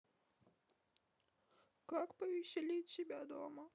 как повеселить себя дома